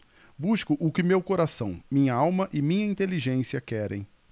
busco o que meu coração minha alma e minha inteligência querem